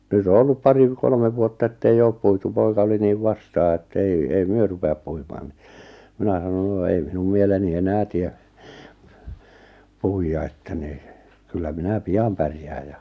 nyt on ollut pari - kolme vuotta että ei ole puitu poika oli niin vastaan että ei ei me rupea puimaan niin minä sanon no ei minun mieleni enää tee puida että niin kyllä minä pian pärjään ja